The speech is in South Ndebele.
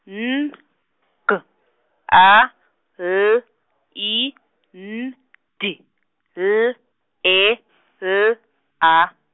N , G , A, L, I , N, D, L, E , L, A.